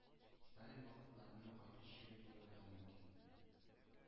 Сталин вакытларына кайту шиге тудырырга мөмкин,